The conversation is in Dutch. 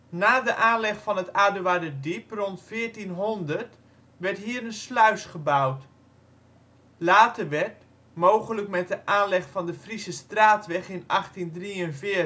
Na de aanleg van het Aduarderdiep rond 1400 werd hier een sluis gebouwd. Later werd, mogelijk met de aanleg van de Friesestraatweg in 1843